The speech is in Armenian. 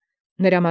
Կոստանդինական։